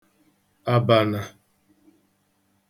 àbànà